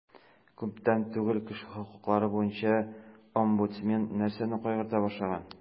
Күптән түгел кеше хокуклары буенча омбудсмен нәрсәне кайгырта башлаган?